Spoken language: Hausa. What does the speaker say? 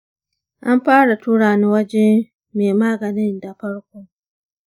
an fara tura ni waje mai maganin da farko.